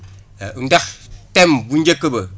ndax thème bu njëkk ba